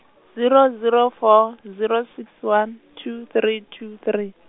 zero zero four, zero six one, two three, two three.